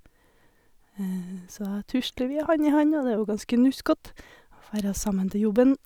Så tusler vi hand i hand, og det er jo ganske nuskat å færra sammen til jobben.